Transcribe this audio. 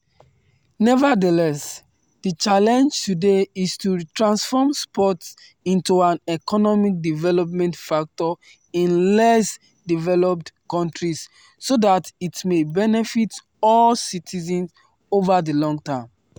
Nevertheless, the challenge today is to transform sports into an economic development factor in less developed countries so that it may benefit all citizens over the long-term.